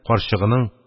Карчыгының,